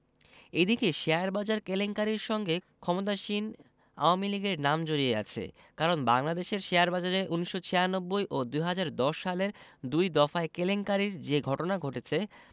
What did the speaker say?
এদিকে শেয়ারবাজার কেলেঙ্কারির সঙ্গে ক্ষমতাসীন আওয়ামী লীগের নাম জড়িয়ে আছে কারণ বাংলাদেশের শেয়ারবাজারে ১৯৯৬ ও ২০১০ সালের দুই দফায় কেলেঙ্কারির যে ঘটনা ঘটেছে